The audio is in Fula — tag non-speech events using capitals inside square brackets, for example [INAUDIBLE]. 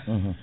[HESITATION] [HESITATION]